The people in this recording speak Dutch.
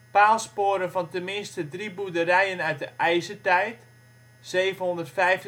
paalsporen van tenminste drie boerderijen uit de IJzertijd (750 –